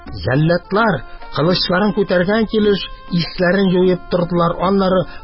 Җәлладлар, кылычларын күтәргән килеш, исләрен җуеп тордылар, аннары